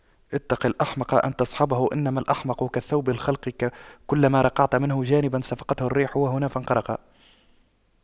اتق الأحمق أن تصحبه إنما الأحمق كالثوب الخلق كلما رقعت منه جانبا صفقته الريح وهنا فانخرق